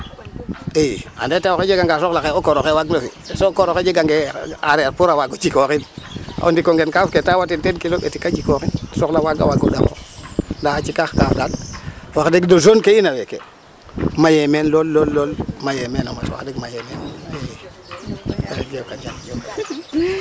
I ande tew oxe jeganga soxla xay o kor oxe waagi no fi' so koor oxe jegangee aareer pour waag o jikooxin o ndik onqe kaaf ke te watin teen kilo ɓetik a jikooxin soxla faaga waag o ɗaxooa ndaa cikax kaaf wax deg no zone ke in o weeke mayee meen lool lool mayee meen o wax deg mayee meen i.